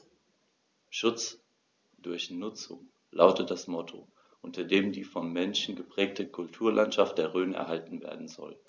„Schutz durch Nutzung“ lautet das Motto, unter dem die vom Menschen geprägte Kulturlandschaft der Rhön erhalten werden soll.